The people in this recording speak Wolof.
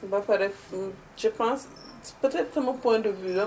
ba pare je pense peut être sama point de vue la